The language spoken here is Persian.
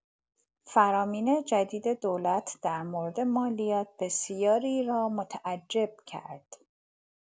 فرامین جدید دولت در مورد مالیات بسیاری را متعجب کرد.